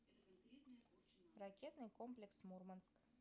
ракетный комплекс мурманск